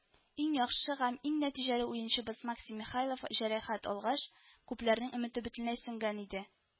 Иң яхшы һәм иң нәтиҗәле уенчыбыз Максим Михайлов җәрәхәт алгач, күпләрнең өмете бөтенләй сүнгән иде